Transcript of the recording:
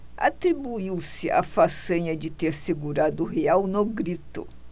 atribuiu-se a façanha de ter segurado o real no grito